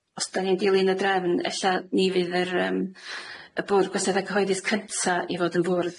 Os 'dan ni'n dilyn y drefn, ella ni fydd yr yym y bwrdd gwasanaethe cyhoeddus cynta i fod yn fwrdd